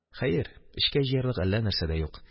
Хәер, эчкә җыярлык әллә нәрсә дә юк.